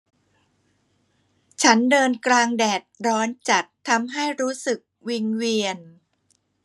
ฉันเดินกลางแดดร้อนจัดทำให้รู้สึกวิงเวียน